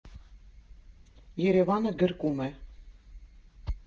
Երևանը գրկում է։